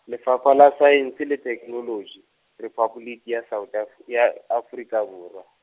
Lefapha la Saense le Theknoloji, Rephaboliki ya South Af-, ya Afrika Borwa.